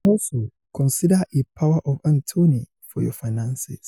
Also, consider a power of attorney for your finances.